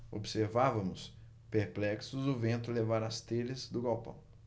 observávamos perplexos o vento levar as telhas do galpão